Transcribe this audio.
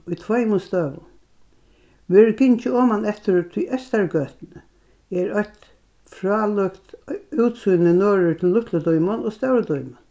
í tveimum støðum verður gingið oman eftir tí eystaru gøtuni er eitt frálíkt útsýni norður til lítlu dímun og stóru dímun